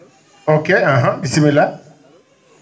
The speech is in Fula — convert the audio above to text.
ok bisimilla